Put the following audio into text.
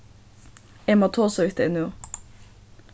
eg má tosa við tey nú